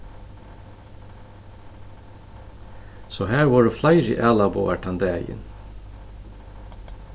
so har vóru fleiri ælabogar tann dagin